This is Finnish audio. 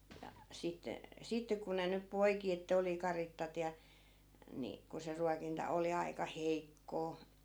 ja sitten sitten kun ne nyt poiki että oli karitsat ja niin kun se ruokinta oli aika heikkoa